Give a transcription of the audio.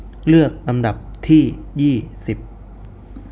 เลือกลำดับที่ยี่สิบ